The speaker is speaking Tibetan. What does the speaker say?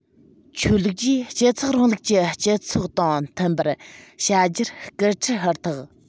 ཆོས ལུགས ཀྱིས སྤྱི ཚོགས རིང ལུགས ཀྱི སྤྱི ཚོགས དང མཐུན པར བྱ རྒྱུར སྐུལ ཁྲིད ཧུར ཐག